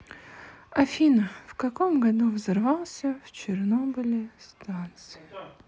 афина в каком году взорвался в чернобыле станция